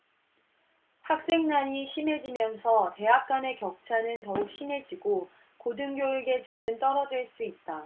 학생 난이 심해지면서 대학 간의 격차는 더욱 심해지고 고등교육의 질은 떨어질 수 있다